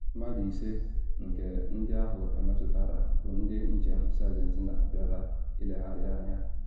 Mmadụ ise nke ndị ahụ emetụtara bụ ndị njem si Argentina bịara ịlegharị anya.